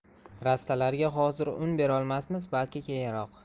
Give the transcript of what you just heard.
rastalarga hozir un berolmasmiz balki keyinroq